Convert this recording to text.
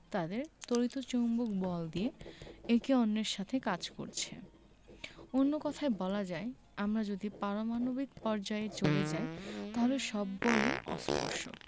তাদের তড়িৎ চৌম্বক বল দিয়ে একে অন্যের সাথে কাজ করছে অন্য কথায় বলা যায় আমরা যদি পারমাণবিক পর্যায়ে চলে যাই তাহলে সব বলই অস্পর্শক